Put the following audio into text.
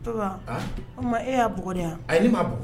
Papa an o kuma e y'a bukɔ de a ayi ne m'aa bukɔ